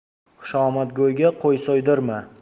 xushomadgo'yga qo'y so'ydirma